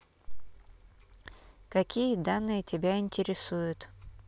какие данные тебя интересуют